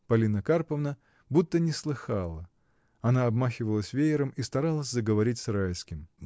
Полина Карповна будто не слыхала, она обмахивалась веером и старалась заговорить с Райским.